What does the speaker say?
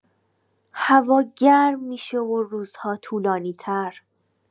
هوا گرم می‌شه و روزها طولانی‌تر.